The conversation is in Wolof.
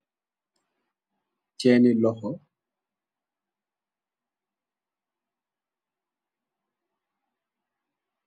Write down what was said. Chèèn ni loxo.